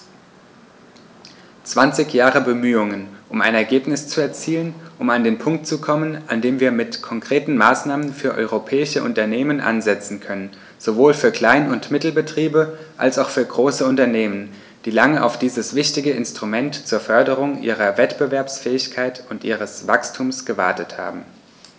Zwanzig Jahre Bemühungen, um ein Ergebnis zu erzielen, um an den Punkt zu kommen, an dem wir mit konkreten Maßnahmen für europäische Unternehmen ansetzen können, sowohl für Klein- und Mittelbetriebe als auch für große Unternehmen, die lange auf dieses wichtige Instrument zur Förderung ihrer Wettbewerbsfähigkeit und ihres Wachstums gewartet haben.